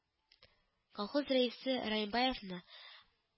Колхоз рәисе Раимбаевны